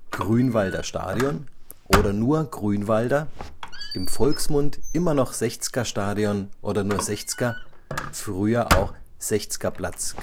Grünwalder Stadion oder nur Grünwalder, im Volksmund immer noch Sechzger-Stadion oder nur Sechzger, früher auch Sechzgerplatz